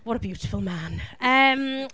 What a beautiful man. Yym.